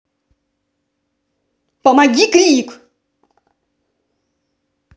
помоги крик